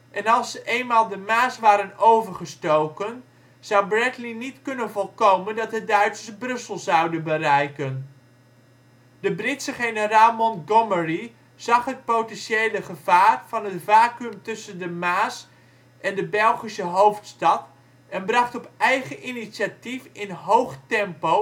en als ze eenmaal de Maas waren overgestoken, zou Bradley niet kunnen voorkomen dat de Duitsers Brussel zouden bereiken. De Britse generaal Montgomery zag het potentiële gevaar van het vacuüm tussen de Maas en de Belgische hoofdstad en bracht op eigen initiatief in hoog tempo